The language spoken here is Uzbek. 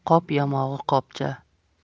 qop yamog'i qopcha